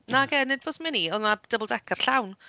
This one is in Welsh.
A... nage nid bws mini. Oedd 'na double-decker llawn.